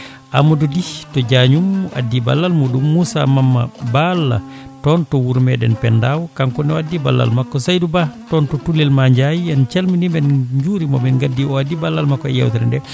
Amadou Ly to Diagnum o addi ballal muɗum Moussa Mamma Baal toon to wuuro meɗen Pendaw kankone o addi ballal makko Saydou Ba toon to Toulel Madiay en calminiɓe en jurimoɓe en gaddi o addi ballal makko e yewtere nde